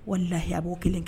Walahi a b'o kelen kɛ